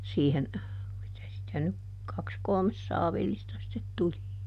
siihen mitä sitä nyt kaksi kolme saavillista sitten tuli